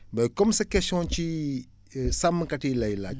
bien comme sa question ci sàmmkat yi lay laaj